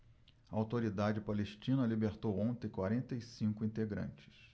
a autoridade palestina libertou ontem quarenta e cinco integrantes